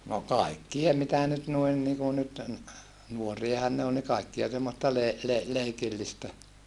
no kaikkia mitä nyt noin niin kuin nyt nuoriahan ne oli niin kaikkea semmoista -- leikillistä